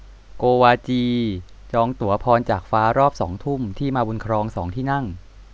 โกวาจีจองตั๋วพรจากฟ้ารอบสองทุ่มที่มาบุญครองสองที่นั่ง